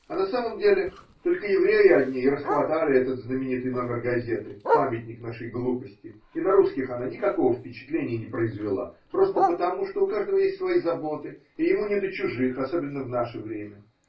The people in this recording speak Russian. А на самом деле только евреи одни и расхватали этот знаменитый номер газеты, памятник нашей глупости, и на русских она никакого впечатления не произвела просто потому, что у каждого есть свои заботы и ему не до чужих, особенно в наше время.